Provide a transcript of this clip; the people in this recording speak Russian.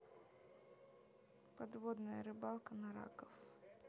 подводная рыбалка на раков